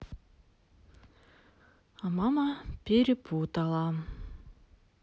а мама перепутала